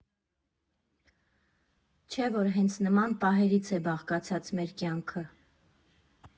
Չէ՞ որ հենց նման պահերից է բաղկացած մեր կյանքը։